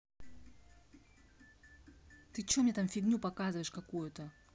ты че мне там фигню показываешь какую то